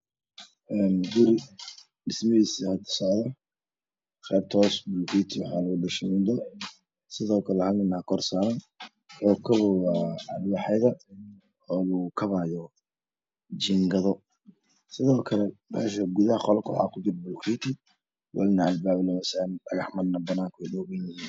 Guri dhismihiisa hada socdo qeybta hoose waa bulukeeti iyo shamiito. Hal nin ayaa korsaaran. jiingado lugu kabaayo alwaax. Sidoo kale gudaha waxaa kudhisan bulukeeti iyo albaab banaan kana waxaa yaalo dagax.